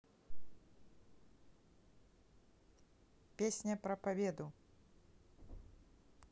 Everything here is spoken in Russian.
песня про победу